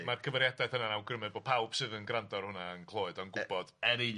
Ti- ma'r cyfeiriadaeth yna'n awgrymu bod pawb sydd yn grando ar hwnna yn clywed o'n gwbod... Y yn union...